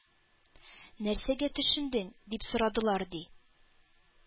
— нәрсәгә төшендең? — дип сорадылар, ди.